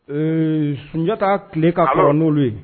Ee sunjatadi ta tile ka kɔrɔ n'olu ye